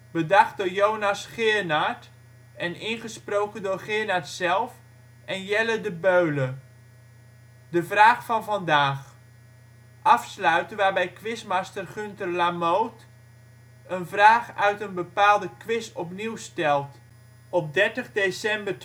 Bedacht door Jonas Geirnaert en ingesproken door Geirnaert zelf en Jelle De Beule. De vraag van vandaag: Afsluiter waarbij quizmaster Gunter Lamoot een vraag uit een bepaalde quiz opnieuw stelt. Op 30 december